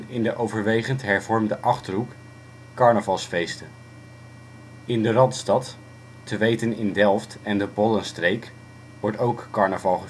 in de overwegend hervormde Achterhoek carnavalsfeesten. In de Randstad, te weten in Delft en de Bollenstreek wordt ook carnaval